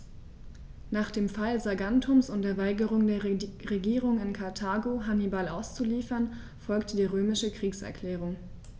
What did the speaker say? Nach dem Fall Saguntums und der Weigerung der Regierung in Karthago, Hannibal auszuliefern, folgte die römische Kriegserklärung.